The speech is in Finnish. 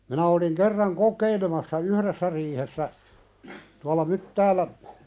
minä olin kerran kokeilemassa yhdessä riihessä tuolla Myttäällä